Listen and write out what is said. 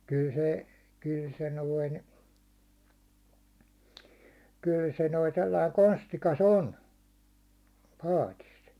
kyllä se kyllä se noin kyllä se noin sellainen konstikas on paatissa